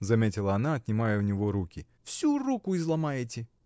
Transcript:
— заметила она, отнимая у него руку, — всю руку изломаете!